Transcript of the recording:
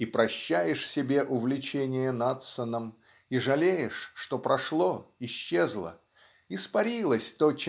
и прощаешь себе увлечение Надсоном и жалеешь что прошло исчезло испарилось то